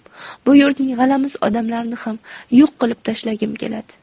bu yurtning g'alamis odamlarini ham yo'q qilib tashlagim keladi